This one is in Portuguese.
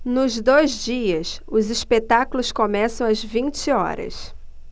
nos dois dias os espetáculos começam às vinte horas